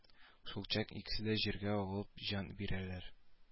Шулчак икесе дә җиргә авып җан бирәләр